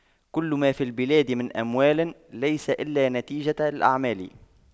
كل ما في البلاد من أموال ليس إلا نتيجة الأعمال